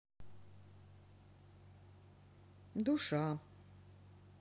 душа